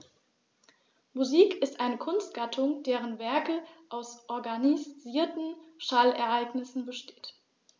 Musik ist eine Kunstgattung, deren Werke aus organisierten Schallereignissen bestehen.